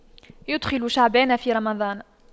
يُدْخِلُ شعبان في رمضان